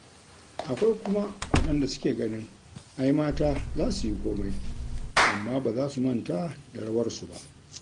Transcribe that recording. Akwai kuma waɗanda suke ganin ai mata za su yi komai, amma ba za su manta da "rawarsu" ba